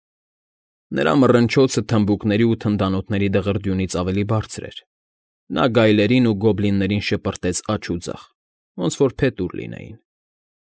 Նրա մռնչոցը թմբուկների ու թնդանոթների դղրդյունից ավելի բարձր էր, նա գայլերին ու գոբլիններին շպրտեց աջ ու ձախ, ոնց որ փետուր լինեին։